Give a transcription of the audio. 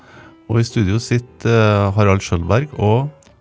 og i studio sitter Harald Schjølberg og.